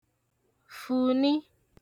fùni